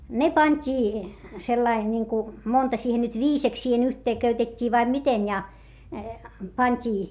ne pantiin sillä lailla niin kuin monta siihen nyt viideksi siihen yhteen köytettiin vai miten ja pantiin